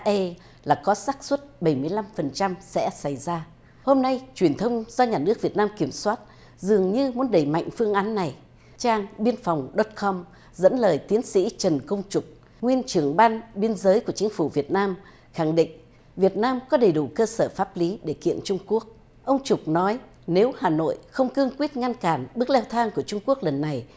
e là có xác suất bảy mươi lăm phần trăm sẽ xảy ra hôm nay truyền thông do nhà nước việt nam kiểm soát dường như muốn đẩy mạnh phương án này trang biên phòng đất khăm dẫn lời tiến sĩ trần công trục nguyên trưởng ban biên giới của chính phủ việt nam khẳng định việt nam có đầy đủ cơ sở pháp lý để kiện trung quốc ông trục nói nếu hà nội không cương quyết ngăn cản bước leo thang của trung quốc lần này